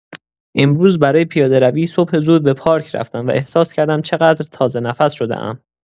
امروز برای پیاده‌روی صبح زود به پارک رفتم و احساس کردم چقدر تازه‌نفس شده‌ام.